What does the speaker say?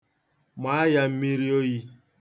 Maa ya mmiri oyi.